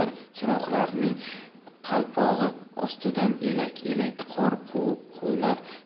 chiroqlarning qalpog'i ostidan elak elak qor quyular